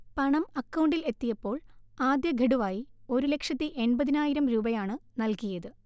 പണം അക്കൗണ്ടിൽ എത്തിയപ്പോൾ ആദ്യഖഡുവായി ഒരു ലക്ഷത്തി എണ്‍പതിനായിരം രൂപയാണ് നൽകിയത്